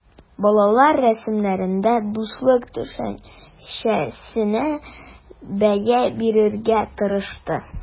Балалар рәсемнәрендә дуслык төшенчәсенә бәя бирергә тырышты.